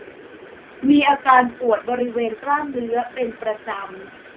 มีอาการปวดบริเวณกล้ามเนื้อเป็นประจำ